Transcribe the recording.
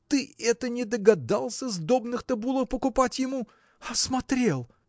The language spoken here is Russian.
– Ты это не догадался сдобных-то булок покупать ему? а смотрел!